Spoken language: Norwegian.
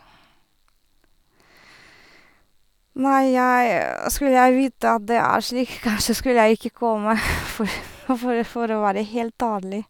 Nei, jeg skulle jeg vite at det er slik, kanskje skulle jeg ikke komme, for å for å for å være helt ærlig.